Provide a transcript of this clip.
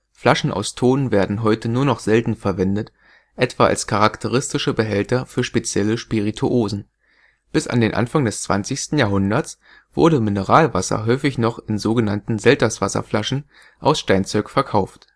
Flaschen aus Ton werden heute nur noch selten verwendet, etwa als charakteristische Behälter für spezielle Spirituosen. Bis an den Anfang des 20. Jahrhunderts wurde Mineralwasser häufig noch in so genannten Selterswasserflaschen aus Steinzeug verkauft